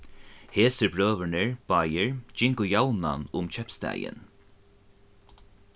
hesir brøðurnir báðir gingu javnan um keypstaðin